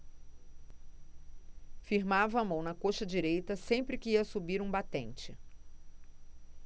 firmava a mão na coxa direita sempre que ia subir um batente